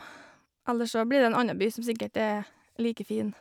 Ellers så blir det en anna by som sikkert er like fin.